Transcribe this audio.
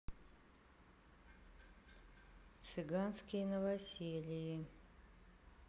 цыганские новоселии